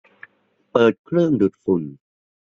เปิดเครื่องดูดฝุ่น